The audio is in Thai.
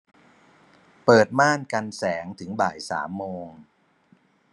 เปิดม่านกันแสงถึงบ่ายสามโมง